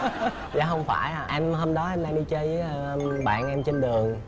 dạ không phải em hôm đó em đang đi chơi với bạn em trên đường